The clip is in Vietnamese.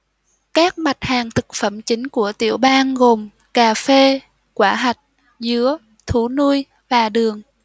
các mặt hàng thực phẩm chính của tiểu bang gồm cà phê quả hạch dứa thú nuôi và đường